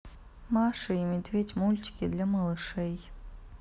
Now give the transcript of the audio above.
маша и медведь мультики для малышей